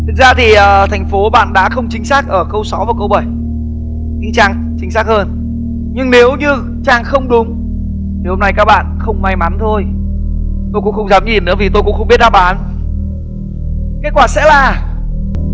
thật ra thì ờ thành phố bạn đã không chính xác ở câu sáu và câu bảy thi trang chính xác hơn nhưng nếu như trang không đúng thì hôm nay các bạn không may mắn thôi tôi cũng không dám nhìn nữa vì tôi cũng không biết đáp án kết quả sẽ là